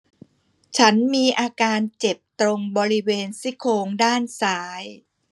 ฉันมีอาการเจ็บตรงบริเวณซี่โครงด้านซ้าย